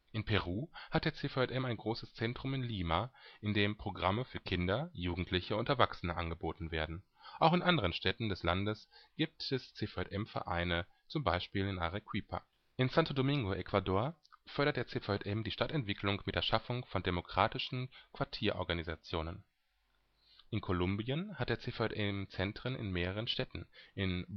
In Peru hat der CVJM ein großes Zentrum in Lima, in dem Programme für Kinder, Jugendliche und Erwachsene angeboten werden. Auch in anderen Städten des Landes gibt es CVJM-Vereine (z.B. Arequipa) In Santo Domingo (Ecuador) fördert der CVJM die Stadtentwicklung mit der Schaffung von demokratischen Quartierorganisationen. In Kolumbien hat der CVJM Zentren in mehreren Städten. In Bogotá